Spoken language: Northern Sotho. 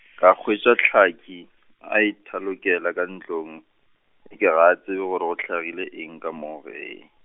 ka hwetša Tlhaka, a ithalokela ka ntlong, e ke ga a tsebe gore go hlagile eng ka moo gee.